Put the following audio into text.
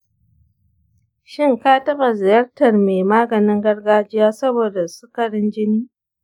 shin ka taɓa ziyartar mai maganin gargajiya saboda sukarin jini?